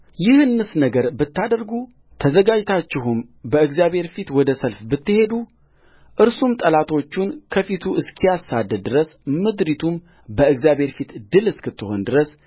ይህንስ ነገር ብታደርጉ ተዘጋጅታችሁም በእግዚአብሔር ፊት ወደ ሰልፍ ብትሄዱእርሱም ጠላቶቹን ከፊቱ እስኪያሳድድ ድረስ ምድሪቱም በእግዚአብሔር ፊት ድል እስክትሆን ድረስ